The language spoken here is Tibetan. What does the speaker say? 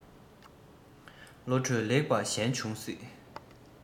བློ གྲོས ལེགས པ གཞན འབྱུང སྲིད